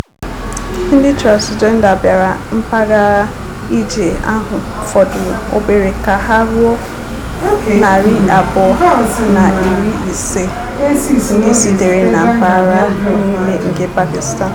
Ndị transịjenda bịara ngagharị ije ahụ fọdụrụ obere ka ha ruo 250 ndị sitere na mpaghara niile nke Pakistan.